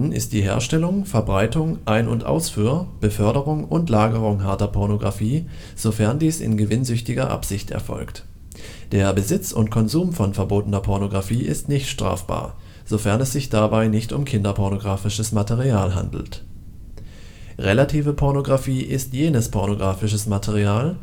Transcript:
ist die Herstellung, Verbreitung, Ein - und Ausfuhr, Beförderung und Lagerung harter Pornografie, sofern dies in gewinnsüchtiger Absicht erfolgt. Der Besitz und Konsum von verbotener Pornografie ist nicht strafbar, sofern es sich dabei nicht um kinderpornografisches Material handelt. Relative Pornografie ist jenes pornografisches Material